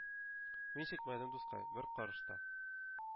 Мин чикмәдем, дускай, бер карыш та,